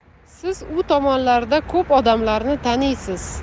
siz u tomonlarda ko'p odamlarni taniysiz